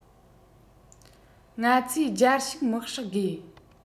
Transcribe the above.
ང ཚོས རྒྱལ ཕྱུག དམག ཧྲག དགོས